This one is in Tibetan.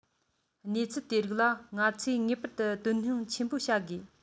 གནས ཚུལ དེ རིགས ལ ང ཚོས ངེས པར དུ དོ སྣང ཆེན པོ བྱ དགོས